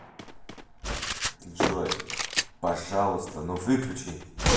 джой пожалуйста но выключи